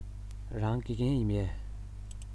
རང དགེ རྒན ཡིན པས